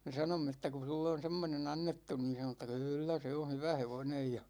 me sanoimme että kun sinulle on semmoinen annettu niin sanoi että kyllä se on hyvä hevonen ja